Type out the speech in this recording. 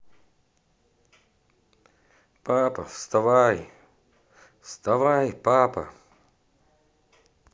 папа вставай вставай папа